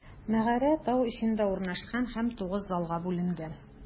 Мәгарә тау эчендә урнашкан һәм тугыз залга бүленгән.